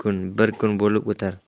ming kuni bir kun bo'lib o'tar